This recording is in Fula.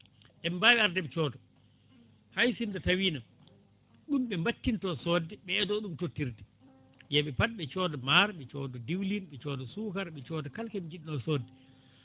en mbawi arde en cooda hay sinno tawino ɗum ɓe mbattinto sodde ɓe eto ɗum tottirde yooɓe paat ɓe cooda maaro ɓe cooda diwline ɓe cooda sukara ɓe cooda kala koɓe jinno sodde